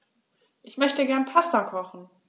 Ich möchte gerne Pasta kochen.